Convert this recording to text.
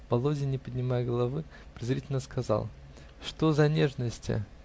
Володя, не поднимая головы, презрительно сказал: -- Что за нежности?